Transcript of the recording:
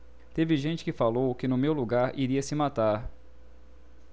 teve gente que falou que no meu lugar iria se matar